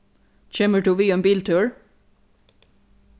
kemur tú við ein biltúr